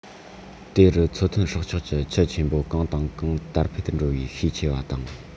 དེ རུ མཚོ ཐོན སྲོག ཆགས ཀྱི ཁྱུ ཆེན པོ གང དང གང དར འཕེལ འགྲོ བའི ཤས ཆེ བ དང